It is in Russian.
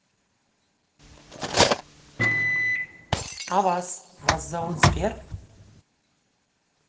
а вас вас зовут сбер